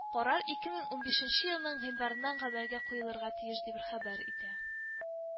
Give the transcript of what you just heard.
Карар ике мен унбишенче елның гыйнварыннан гамәлгә куелырга тиеш, дип хәбәр итә